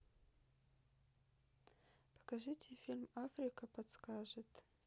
покажите фильм африка подскажет